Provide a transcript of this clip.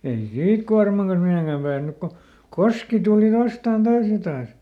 ei siitä kuorman kanssa mihinkään päässyt kun koski tuli vastaan taas ja taas